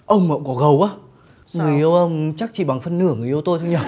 ông mà cũng có gấu á người yêu ông chắc chỉ bằng phân nửa người yêu tôi thôi nhờ